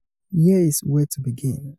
Here's where to begin.